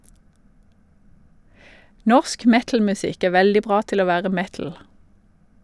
Norsk metalmusikk er veldig bra til å være metal.